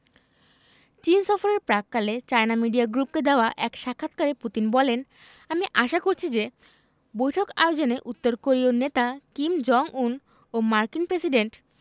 চীন সফরের প্রাক্কালে চায়না মিডিয়া গ্রুপকে দেওয়া এক সাক্ষাৎকারে পুতিন বলেন আমি আশা করছি যে বৈঠক আয়োজনে উত্তর কোরীয় নেতা কিম জং উন ও মার্কিন প্রেসিডেন্ট